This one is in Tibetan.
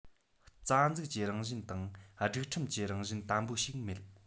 རྩ འཛུགས ཀྱི རང བཞིན དང སྒྲིག ཁྲིམས ཀྱི རང བཞིན དམ པོ ཞིག མེད